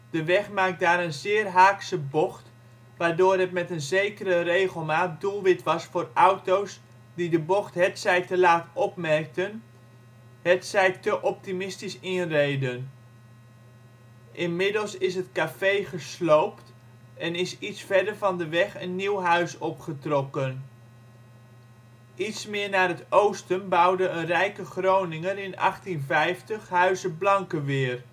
De weg maakt daar een zeer haakse bocht, waardoor het met een zekere regelmaat doelwit was voor auto 's die de bocht hetzij te laat opmerkten, hetzij te optimistisch inreden. Inmiddels is het café gesloopt en is iets verder van de weg een nieuw huis opgetrokken. Iets meer naar het oosten bouwde een rijke Groninger in 1850 Huize Blankeweer